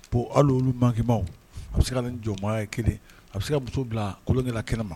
Bon haliolu mankima a bɛ se ka nin jɔn ye kelen a bɛ se ka muso bila kolon kɛnɛ ma